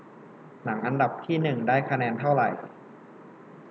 หนังอันดับที่หนึ่งได้คะแนนเท่าไหร่